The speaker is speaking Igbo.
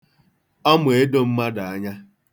Ọ ma edo mmadụ anya.